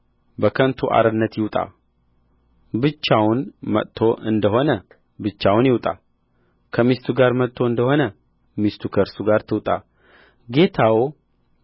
በከንቱ አርነት ይውጣ ብቻውን መጥቶ እንደሆነ ብቻውን ይውጣ ከሚስቱ ጋር መጥቶ እንደሆነ ሚስቱ ከእርሱ ጋር ትውጣ ጌታው